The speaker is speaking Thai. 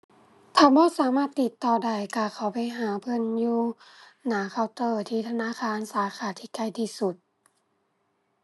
ถ้าบ่สามารถติดต่อได้ก็เข้าไปหาเพิ่นอยู่หน้าเคาน์เตอร์ที่ธนาคารสาขาที่ใกล้ที่สุด